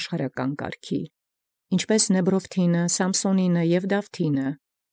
Արութիւնսն, որպէս զՆեբրոտայն և զՍամփսոնին և զԴավթայն։